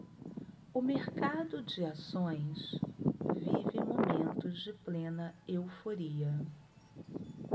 o mercado de ações vive momentos de plena euforia